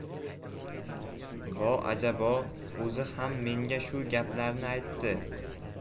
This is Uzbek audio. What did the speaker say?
vo ajabo o'zi ham menga shu gaplarni aytdi